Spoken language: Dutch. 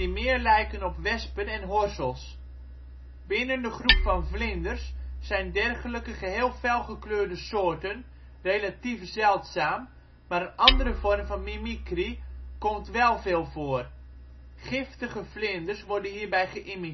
meer lijken op wespen en horzels. Binnen de groep van vlinders zijn dergelijke geheel felgekleurde soorten relatief zeldzaam maar een andere vorm van mimicry komt wel veel voor. Giftige vlinders worden